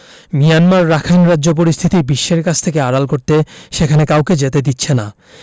Myanmar Rakhine রাজ্য পরিস্থিতি বিশ্বের কাছ থেকে আড়াল করতে সেখানে কাউকে যেতে দিচ্ছে না